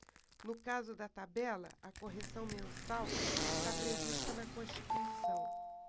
no caso da tabela a correção mensal está prevista na constituição